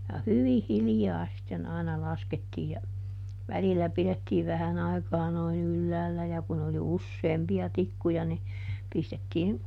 ja hyvin hiljaa sitten aina laskettiin ja välillä pidettiin vähän aikaa noin ylhäällä ja kun oli useampia tikkuja niin pistettiin